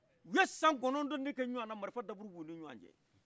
u ye san kɔnɔntɔn de kɛ ɲogɔnna marifa daburu b'uni ɲɔgɔncɛ